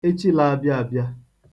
echi laabịa abịa